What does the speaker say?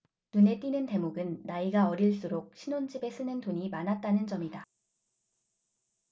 눈에 띄는 대목은 나이가 어릴수록 신혼집에 쓰는 돈이 많았다는 점이다